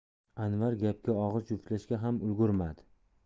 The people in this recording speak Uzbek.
anvar gapga og'iz juftlashga ham ulgurmadi